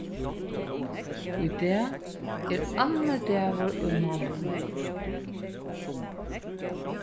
í dag er annar dagur í mánaðinum